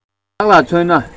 བདག ལ མཚོན ན